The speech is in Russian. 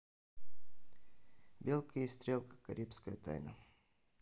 белка и стрелка карибская тайна